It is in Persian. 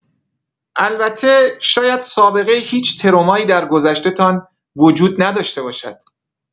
البته شاید سابقه هیچ ترومایی در گذشته‌تان وجود نداشته باشد.